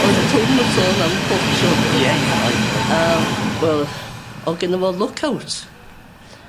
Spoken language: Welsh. Oedd Twm yn sôn am botsio yndoedd? Ie ie oedd oedd. Yym wel o'dd gynno fo look out.